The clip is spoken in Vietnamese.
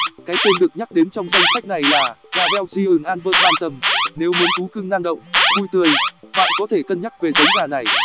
cái tên được nhắc đến trong danh sách này là gà belgian d'anvers bantam nếu muốn thú cưng năng động vui tươi bạn có thể cân nhắc về giống gà này